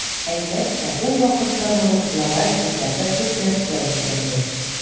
Әлбәттә, ул вакыттан алып глобаль челтәрдә күп нәрсә үзгәрде.